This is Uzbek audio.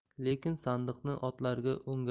lekin sandiqni otlariga